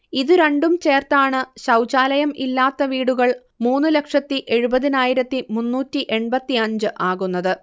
ഇതു രണ്ടും ചേർത്താണ് ശൗചാലയം ഇല്ലാത്ത വീടുകൾ മൂന്ന് ലക്ഷത്തി എഴുപത്തിനായിരത്തി മുന്നൂറ്റി എൺപത്തിയഞ്ച് ആകുന്നത്